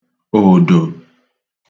òdò